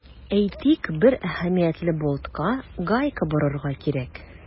Әйтик, бер әһәмиятле болтка гайка борырга кирәк.